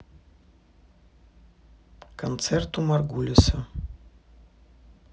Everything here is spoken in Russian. концерт у маргулиса